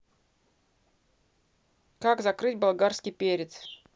как закрыть болгарский перец